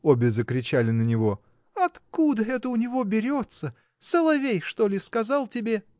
— обе закричали на него, — откуда это у него берется? Соловей, что ли, сказал тебе?